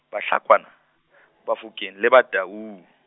Bahlakwana , Bafokeng le Bataung.